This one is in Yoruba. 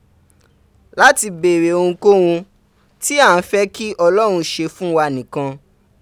lati beere ohunkohun ti a n fe ki Olorun se fun wa nikan.